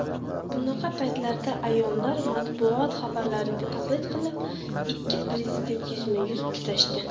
bunaqa paytlarda a'yonlar matbuot xabarlariga taqlid qilib ikki prezident yuzma yuz uchrashdi